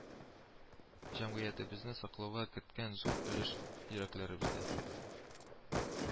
Җәмгыятебезне саклауга керткән зур өлеш йөрәкләребездә